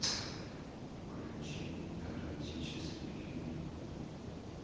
включи эротический фильм